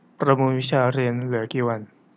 ประมูลวิชาเรียนเหลือกี่วัน